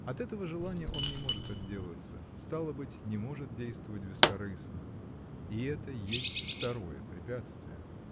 От этого желания он не может отделаться, стало быть, не может действовать бескорыстно: и это есть второе препятствие.